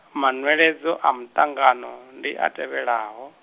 manweledzo a muṱangano, ndi a tevhelaho.